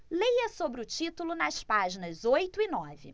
leia sobre o título nas páginas oito e nove